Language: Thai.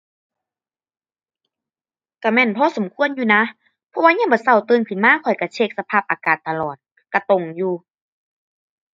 ก็แม่นพอสมควรอยู่นะ เพราะว่ายามมื้อก็ตื่นขึ้นมาข้อยก็เช็กสภาพอากาศตลอด ก็ตรงอยู่